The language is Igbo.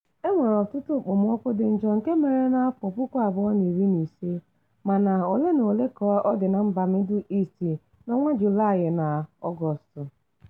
Enwere ọtụtụ okpomọkụ dị njọ nke mere na 2015, mana ole na ole ka ọ dị na mba Middle East na Julai na Ọgọọst.